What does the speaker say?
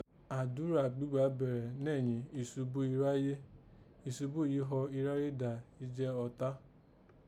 Àdúrà gbígbà bẹ̀rẹ̀ nẹ̀yìn ìṣubú iráyé. Ìsubú yìí họ iráyé dà ìjẹ ọ̀tá